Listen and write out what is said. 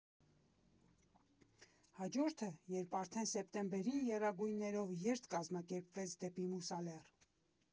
Հաջորդը՝ երբ արդեն սեպտեմբերին եռագույններով երթ կազմակերպվեց դեպի Մուսալեռ։